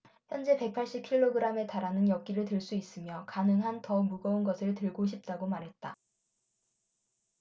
현재 백 팔십 킬로그람에 달하는 역기를 들 수 있으며 가능한 더 무거운 것을 들고 싶다고 말했다